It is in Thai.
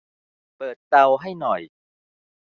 เปิดเตาให้หน่อย